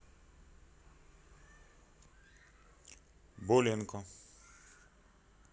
боленко